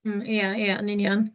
m-hm ie ie yn union.